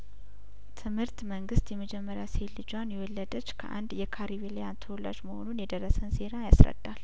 ትምህርት መንግስት የመጀመሪያሴት ልጇን የወለደች ከአንድ የካሪቢላያተወላጅ መሆኑን የደረሰን ዜና ያስረዳል